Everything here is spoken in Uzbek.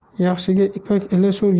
yaxshiga ipak ilashur